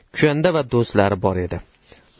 kushanda va do'stlari ham bor edi